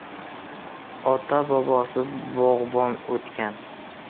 ota bobosi bog'bon o'tgan